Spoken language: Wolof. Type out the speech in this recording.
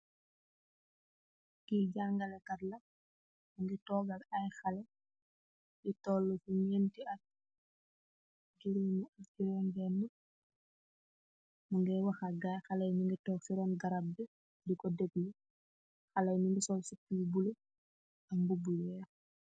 Ki janngaleh katla, muggi togak hai haleh, nyew tolu ce nyennti att jurom benine mugag wahal gayi, haleh yi nyewgi tokk ceron garabbi diko dehgulu, haleh yi sol cepu yuu bulo ak mbubo yuu weeh.